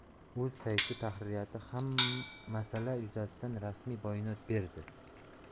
uz sayti tahririyati ham masala yuzasidan rasmiy bayonot berdi